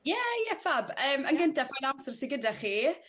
Ie ie fab yym yn gyntaf fain' amser sy gyda chi